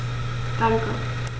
Danke.